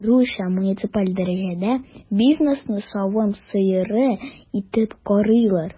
Аеруча муниципаль дәрәҗәдә бизнесны савым сыеры итеп карыйлар.